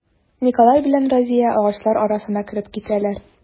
Николай белән Разия агачлар арасына кереп китәләр.